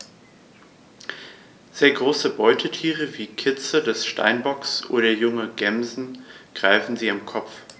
Sehr große Beutetiere wie Kitze des Steinbocks oder junge Gämsen greifen sie am Kopf.